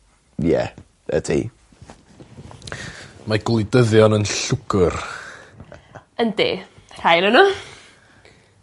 Ie ydi. Mae gwleidyddion yn llwgwr. Yndi. Rhai o'nyn n'w.